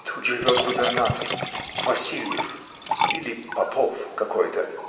— Тут живет губернатор Васильев. или Попов какой-то.